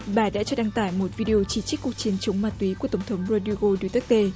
bà đã cho đăng tải một vi đê ô chỉ trích cuộc chiến chống ma túy của tổng thống rô đi gô đu téc tê